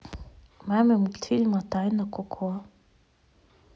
мемы мультфильма тайна коко